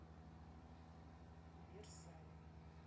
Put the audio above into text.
версаль